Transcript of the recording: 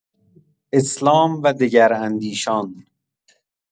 اسلام و دگراندیشان